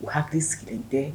U hakili sigilen tɛ